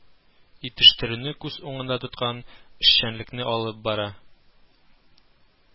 Итештерүне күз уңында тоткан эшчәнлекне алып бара